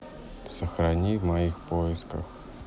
сохрани в моих поисках